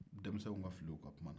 denmisɛnw ka fili u ka kuma na